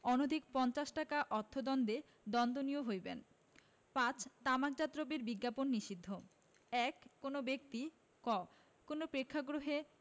অনধিক পঞ্চাশ টাকা অর্থদন্ডে দন্ডনীয় হইবেন ৫ তামাকজপাত দ্রব্যের বিজ্ঞাপন নিষিদ্ধঃ ১ কোন ব্যক্তি ক কোন প্রেক্ষগ্রহে